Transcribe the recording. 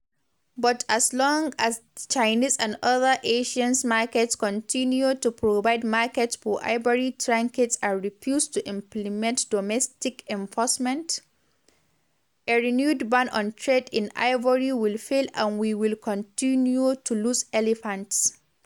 But as long as the Chinese and other Asians markets continue to provide markets for ivory trinkets and refuse to implement domestic enforcement, a renewed ban on trade in ivory will fail and we will continue to lose elephants.